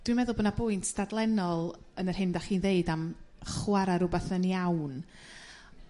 Dwi'n meddwl bo' 'na bwynt dadlennol yn yr hyn da chi'n dd'eud am chwara' r'wbath yn iawn